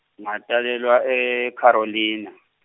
ngatalelwa e- Carolina.